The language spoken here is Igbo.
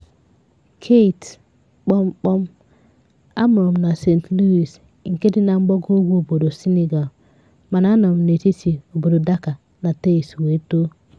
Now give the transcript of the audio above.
Keyti: a mụrụ m na Saint-Louis nke dị na mgbagougwu obodo Senegal, mana anọ m n'etiti obodo Dakar na Thies wee too.